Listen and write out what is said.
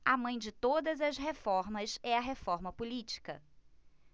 a mãe de todas as reformas é a reforma política